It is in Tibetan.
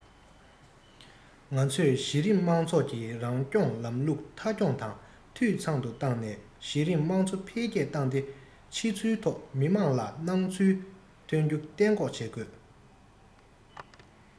ང ཚོས གཞི རིམ མང ཚོགས ཀྱི རང སྐྱོང ལམ ལུགས མཐའ འཁྱོངས དང འཐུས ཚང དུ བཏང ནས གཞི རིམ དམངས གཙོ འཕེལ རྒྱས བཏང སྟེ ཕྱི ཚུལ ཐོག མི དམངས ལ སྣང ཚུལ ཐོན རྒྱུ གཏན འགོག བྱེད དགོས